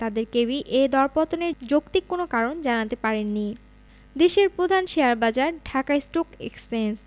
তাঁদের কেউই এ দরপতনের যৌক্তিক কোনো কারণ জানাতে পারেননি দেশের প্রধান শেয়ারবাজার ঢাকা স্টক এক্সচেঞ্জ